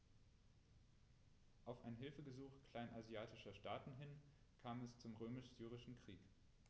Auf ein Hilfegesuch kleinasiatischer Staaten hin kam es zum Römisch-Syrischen Krieg.